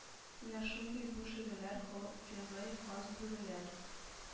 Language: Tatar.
Менә шундый бу шүреләр холык-фигыль хас бүреләр